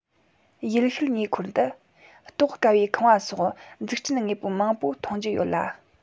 ཡུལ ཤུལ ཉེ འཁོར དུ རྟོགས དཀའ བའི ཁང པ སོགས འཛུགས སྐྲུན དངོས པོ མང པོ མཐོང རྒྱུ ཡོད ལ